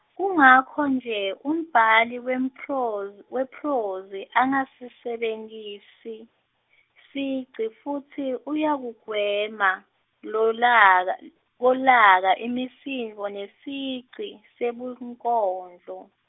kungako nje umbhali wemphroz- wephrozi angasisebentisi, sigci futsi uyakugwema, lolaka- kolaka imisindvo nesigci, sebunkondlo.